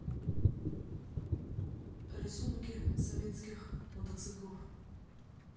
рисунки советских мотоциклов